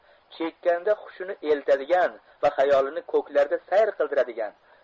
chekkanda hushini eltadigan va xayolini ko'klarda sayr qildiradigan